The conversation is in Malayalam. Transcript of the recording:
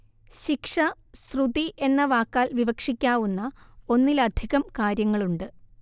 ശിക്ഷ ശ്രുതി എന്ന വാക്കാൽ വിവക്ഷിക്കാവുന്ന ഒന്നിലധികം കാര്യങ്ങളുണ്ട്